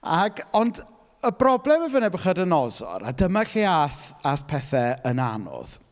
Ac, ond, y broblem efo Nebiwchodynosor, a dyma lle aeth aeth pethe yn anodd,